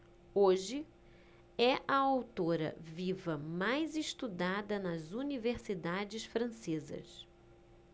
hoje é a autora viva mais estudada nas universidades francesas